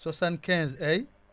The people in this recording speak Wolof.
75